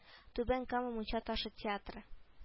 Түбән кама мунча ташы театры